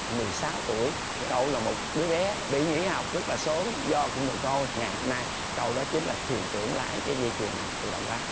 mười sáu tuổi cậu ấy là một đứa bé bị nghỉ học rất là sớm do cậu ấy mồ côi ngày hôm nay cậu đã chính là thuyền trưởng lại cái dây chuyền tự động hóa